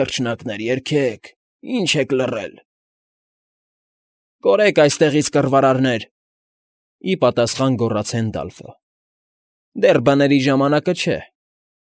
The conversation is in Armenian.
Թռչնակներ, երգեք… Ի՞նչ եք լռել… ֊ Կորեք էստեղից, կռվարարներ,֊ ի պատասխան գոռաց Հենդալֆը։֊ Դեռ բների ժամանակը չէ։